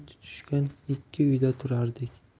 yon tushgan ikki uyda turardik